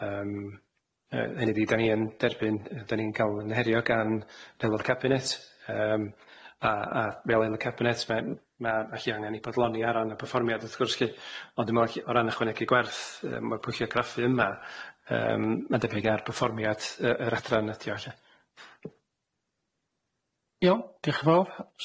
Yym yy hynny ydi da ni yn derbyn yy da ni'n ca'l yn herio gan aelod cabinet yym a a fel yn enw cabinet ma'n ma'n allu angen i podloni ar ran y perfformiad wrth gwrs lly, ond dwi me'wl alli- o ran ychwanegu gwerth yy ma'r pwllo graffu yma yym ma'n depeg ar perfformiad yy yr adran ydio lly. Iawn diolch yn fawr.